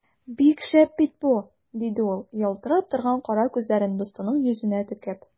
Бик шәп бит бу! - диде ул, ялтырап торган кара күзләрен дустының йөзенә текәп.